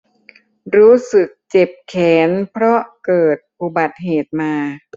รู้สึกเจ็บแขนเพราะเกิดอุบัติเหตุมา